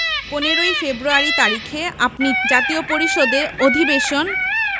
১৫ই ফেব্রুয়ারী তারিখে আপনি জাতীয় পরিষদে অধিবেশন